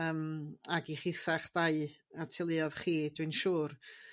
yym ag i chitha'ch dau a teuluodd chi dwi'n siŵr.